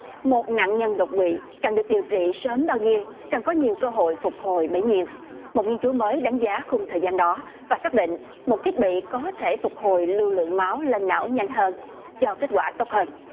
một nạn nhân đột quỵ cần được điều trị sớm bao nhiêu càng có nhiều cơ hội phục hồi bấy nhiêu một nghiên cứu mới đáng giá khung thời gian đó và xác định một thiết bị có thể phục hồi lưu lượng máu lên não nhanh hơn cho kết quả tốt hơn